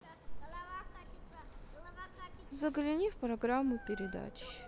загляни в программу передач